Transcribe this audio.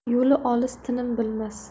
yo'li olis tinim bilmas